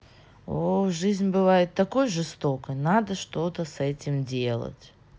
ооо жизнь бывает такой жестокой надо что то с этим делать